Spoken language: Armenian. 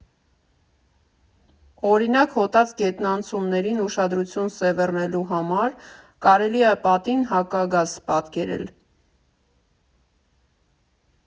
Օրինակ՝ հոտած գետնանցումներին ուշադրություն սևեռելու համար կարելի է պատին հակագազ պատկերել։